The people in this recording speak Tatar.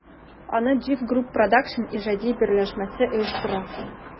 Аны JIVE Group Produсtion иҗади берләшмәсе оештыра.